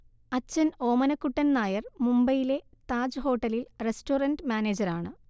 അച്ഛൻ ഓമനക്കുട്ടൻ നായർ മുബൈയിലെ താജ് ഹോട്ടലിൽ റസ്റ്റോറന്റ് മാനേജരാണ്